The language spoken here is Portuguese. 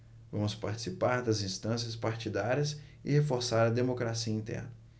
vamos participar das instâncias partidárias e reforçar a democracia interna